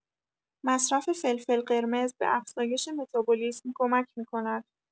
مصرف فلفل قرمز به افزایش متابولیسم کمک می‌کند.